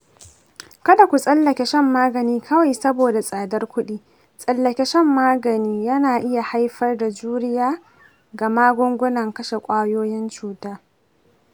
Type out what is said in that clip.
kada ku tsallake shan magani kawai saboda tsadar kuɗi, tsallake shan magani yana iya haifar da juriya ga magungunan kashe ƙwayoyin cuta